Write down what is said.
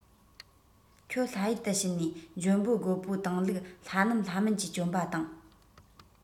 ཁྱོད ལྷ ཡུལ དུ ཕྱིན ནས འཇོན པོ རྒོས པོ བཏང ལུགས ལྷ རྣམས ལྷ མིན གྱིས བཅོམ པ དང